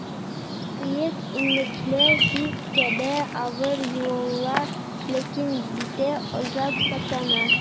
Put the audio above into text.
Сыек иннекләр тиз кибә, авыр юыла, ләкин биттә озак саклана.